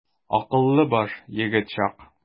Акыллы баш, егет чак.